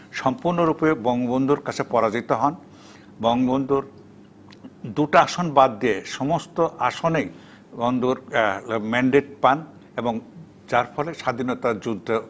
সম্পূর্ণরূপে বঙ্গবন্ধুর কাছে পরাজিত হন বঙ্গবন্ধুর দুটা আসন বাদ দিয়ে সমস্ত আসনেই বন্ধুর ম্যান্ডেট পান এবং যার ফলে স্বাধীনতা যুদ্ধ